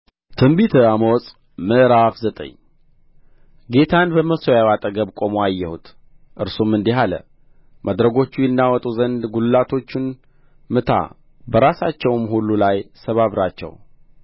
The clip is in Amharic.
ትንቢተ አሞጽ ምዕራፍ ዘጠኝ ጌታን በመሠዊያው አጠገብ ቆሞ አየሁት እርሱም እንዲህ አለ መድረኮቹ ይናወጡ ዘንድ ጕልላቶቹን ምታ በራሳቸውም ሁሉ ላይ ሰባብራቸው